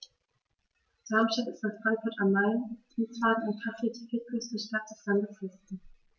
Darmstadt ist nach Frankfurt am Main, Wiesbaden und Kassel die viertgrößte Stadt des Landes Hessen